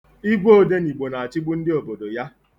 Igwe Odenigbo na-achịgbu ndị obodo ya.